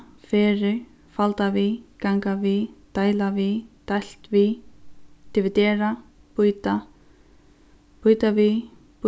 ferðir falda við ganga við deila við deilt við dividera býta býta við